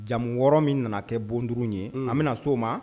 Jamu wɔɔrɔ min nana kɛ bon duuru ye an bɛna na so o ma